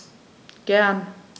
Gern.